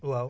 waaw